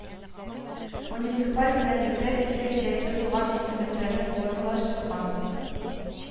Муниципаль берәмлекләр исә кирәкле булган исемлекләрне формалаштырган